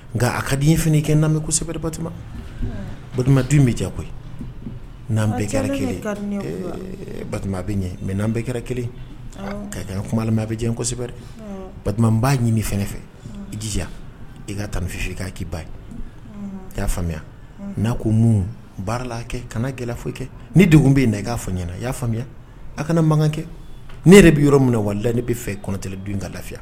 Nka a ka di in fana kɛ n'an bɛsɛbɛri ba ba dun bɛ jɛ koyi n'an bɛɛ kɛra kelen ba bɛ ɲɛ mɛ'an bɛɛ kɛra kelen' kan kuma n'a bɛ jɛ kosɛbɛri ba n b'a ɲimi fɛ dija i ka tan fifi k''i ba ye i y'a faamuya n'a ko mun baarala kɛ kana'a gɛlɛya foyi kɛ ni de bɛ na i'a fɔ n ɲɛna i y'a faamuya a kana mankan kɛ ne yɛrɛ bɛ yɔrɔ min na wa la ne bɛ fɛ i kɔnɔtɛ don ka lafiya